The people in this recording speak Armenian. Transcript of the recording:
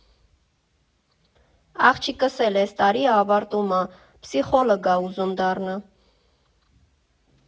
Աղջիկս էլ էս տարի ավարտում ա, փսիխոլոգ ա ուզում դառնա։